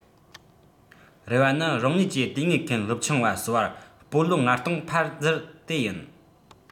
རེ བ ནི རང ཉིད ཀྱིས དེ སྔའི མཁན སློབ ཆུང བ བསོད འར སྤོ ལོ ༥༠༠༠ ཕར འཛུལ དེ ཡིན